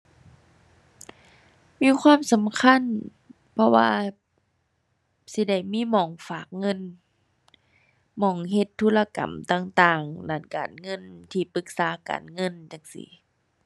มีความสำคัญ เพราะว่าสิได้มีหม้องฝากเงิน หม้องเฮ็ดธุรกรรมต่างต่างด้านการเงิน ที่ปรึกษาการเงินจั่งซี้